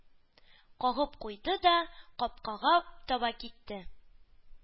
Кагып куйды да капкага таба китте.